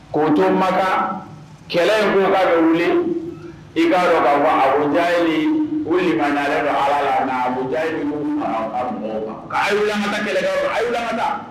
Kotoma kɛlɛ munka dɔ wili i karɔ ka fɔ aja wuli maga ala yanyi